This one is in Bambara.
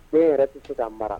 Ne yɛrɛ tɛ se k'a mara